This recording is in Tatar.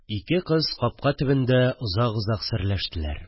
Ике кыз капка төбендә озак-озак серләштеләр